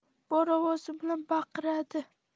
bor ovozi bilan baqiradi